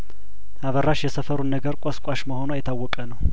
አበራሽ የሰፈሩ ነገር ቆስቋሽ መሆኗ የታወቀ ነው